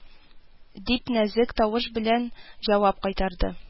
Дип, нәзек тавыш белән җавап кайтарды